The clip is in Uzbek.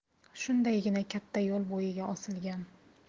shundaygina katta yo'l bo'yiga osilgan